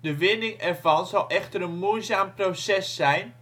De winning ervan zal echter een moeizaam proces zijn